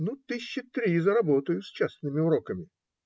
- Ну, тысячи три заработаю с частными уроками.